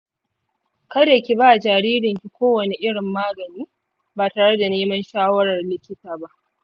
kada ki ba jaririnki kowane irin magani ba tare da neman shawarar likita ba